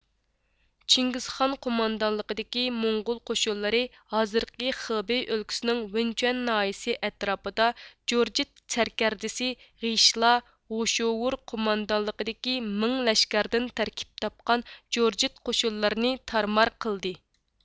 چىڭگىزخان قوماندانلىقىدىكى موڭغۇل قوشۇنلىرى ھازىرقى خېبىي ئۆلكىسىنىڭ ۋەنچۇەن ناھىيىسى ئەتراپىدا جۇرجىت سەركەردىسى غىيىشلا غوشاۋۇر قوماندانلىقىدىكى مىڭ لەشكەردىن تەركىپ تاپقان جۇرجىت قوشۇنلىرىنى تارمار قىلدى